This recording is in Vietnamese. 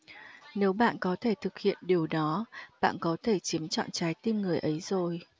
nếu bạn có thể thực hiện điều đó bạn có thể chiếm trọn trái tim người ấy rồi